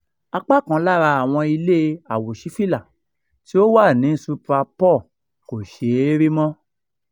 Apá kan lára àwọn ilé àwòṣífìlà tí ó wà ní Sutrapur kò ṣe é rí mọ́n.